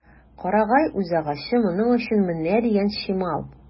Карагай үзагачы моның өчен менә дигән чимал.